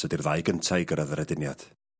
...ydi'r ddau gynta i gyrraedd yr aduniad.